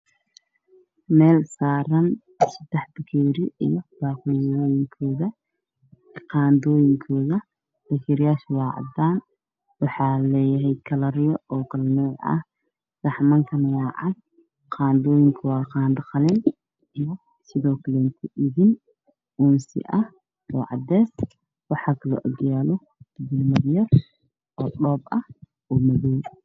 Meel saaran saddex bakeeri iyo baaquliyooyinkooda iyo qaadooyinkooda bakeeriyaasha waa cadaan waxay leeyihiin kalaro kala nooc ah saxamooyinkana waa cadaan qaadoyinkana waa qalin waxaa kalgoorlie agyaalo oo dhoob ah oo madow